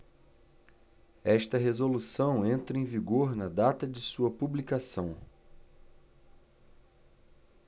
esta resolução entra em vigor na data de sua publicação